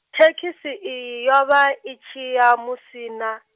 thekhisi iyi yo vha i tshiya Musina.